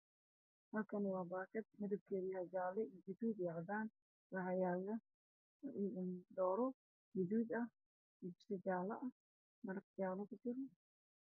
Halkaan waa baakad midabkeeda yahay jaalle gaduud iyo cadaan waxaa yaalo dooro gaduud ah iyo digsi jaalle ah maraq jaalle ku jiro.